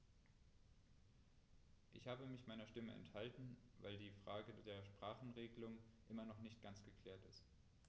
Ich habe mich meiner Stimme enthalten, weil die Frage der Sprachenregelung immer noch nicht ganz geklärt ist.